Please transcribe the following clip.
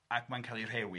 ...ac mae'n cael ei rhewi.